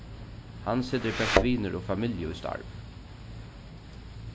hann setir bert vinir og familju í starv